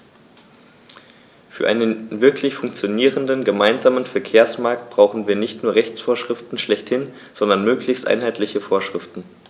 Für einen wirklich funktionierenden gemeinsamen Verkehrsmarkt brauchen wir nicht nur Rechtsvorschriften schlechthin, sondern möglichst einheitliche Vorschriften.